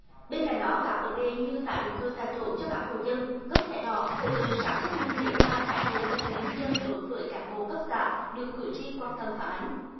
bên cạnh đó các vấn đề như tái định cư tại chỗ cho các hộ dân cấp thẻ đỏ hỗ trợ sản xuất nông nghiệp và thái độ phục vụ nhân dân đối với cán bộ cấp xã được cử tri quan tâm phản ánh